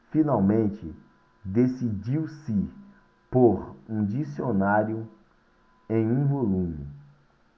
finalmente decidiu-se por um dicionário em um volume